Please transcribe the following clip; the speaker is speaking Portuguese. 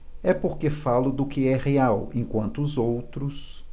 é porque falo do que é real enquanto os outros